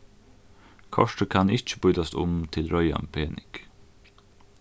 kortið kann ikki býtast um til reiðan pening